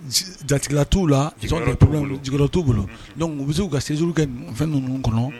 Jatigila t'u lala t'u bolo u bɛ se u ka sinuru kɛ fɛn ninnu kɔnɔ